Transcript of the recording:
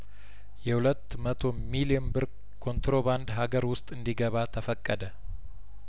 የሁለት መቶ ሚሊየን ብር ኮንትሮባንድ ሀገር ውስጥ እንዲገባ ተፈቀደ